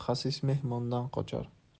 xasis mehmondan qochar